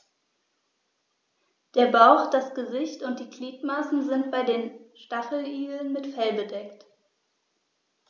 Der Bauch, das Gesicht und die Gliedmaßen sind bei den Stacheligeln mit Fell bedeckt.